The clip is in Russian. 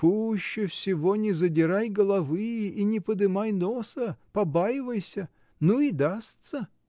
Пуще всего не задирай головы и не подымай носа, побаивайся: ну и дастся.